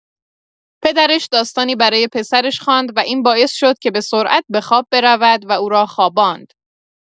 پدرش داستانی برای پسرش خواند و این باعث شد که به‌سرعت به خواب برود و او را خواباند